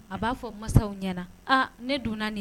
A b'a fɔ masaw ɲɛna ne donna nin